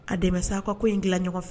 A dɛmɛ sa a ka ko in gila ɲɔgɔn fɛ.